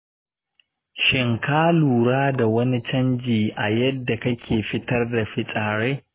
shin ka lura da wani chanji a yadda kake fitar da fitsrai?